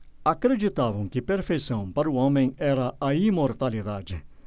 acreditavam que perfeição para o homem era a imortalidade